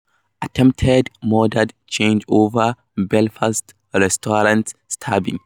Attempted murder charge over Belfast restaurant stabbing